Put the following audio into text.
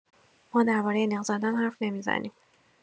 ما درباره نق‌زدن حرف نمی‌زنیم.